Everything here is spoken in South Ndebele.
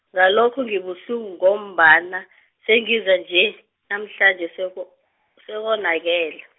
ngalokho ngibuhlungu ngombana, sengiza nje, namhlanje seko- sekonakele.